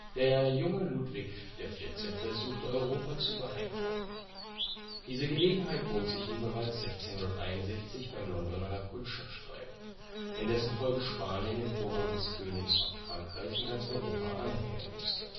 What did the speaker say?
Der junge Ludwig XIV. suchte Europa zu beeindrucken. Diese Gelegenheit bot sich ihm bereits 1661 beim Londoner Kutschenstreit, in dessen Folge Spanien den Vorrang des Königs von Frankreich in ganz Europa anerkennen musste